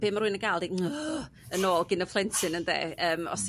be ma' rwy'n yn ga'l 'di yn ôl gin y plentyn ynde? Yym os